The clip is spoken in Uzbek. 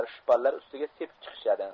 shpallar ustiga sepib chiqishadi